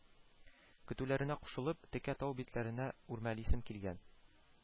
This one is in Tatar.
Көтүләренә кушылып, текә тау битләренә үрмәлисем килгән